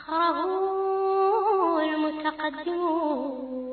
San mɔgɛnin